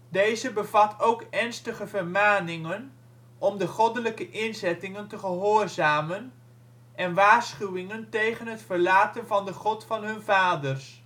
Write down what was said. Deze bevat ook ernstige vermaningen om de goddelijke inzettingen te gehoorzamen en waarschuwingen tegen het verlaten van de God van hun vaders